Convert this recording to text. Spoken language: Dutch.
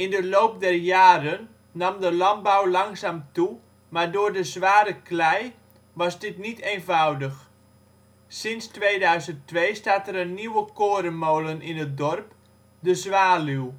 de loop der jaren nam de landbouw langzaam toe, maar door de zware klei was dit niet eenvoudig. Sinds 2002 staat er een nieuwe korenmolen in het dorp, De Zwaluw